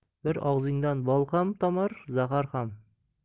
bir og'izdan bol ham tomar zahar ham